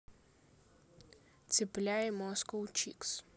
цепляй moscow chiks